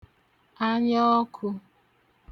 anyaọkụ̄